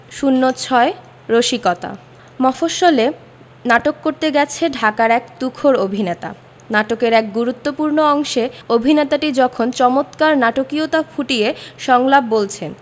০৬ রসিকতা মফশ্বলে নাটক করতে গেছে ঢাকার এক তুখোর অভিনেতা নাটকের এক গুরুত্তপূ্র্ণ অংশে অভিনেতাটি যখন চমৎকার নাটকীয়তা ফুটিয়ে সংলাপ বলছেন